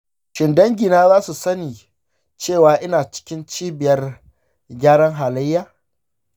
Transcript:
shin dangina za su sani cewa ina cikin cibiyar gyaran halayya?